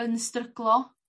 yn stryglo.